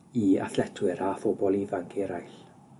i athletwyr a phobol ifanc eraill.